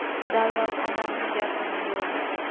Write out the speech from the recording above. dallol onamning gapini bo'ldi